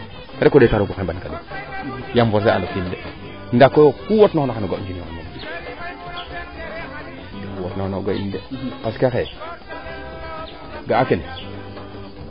rek o ndeeta roog xeman ka den yaam forcer aan o kiin de ndaa koy kuu wat noona xayo ga o njirñonge wat nuuna o ga in de parce que xaye ga'a kene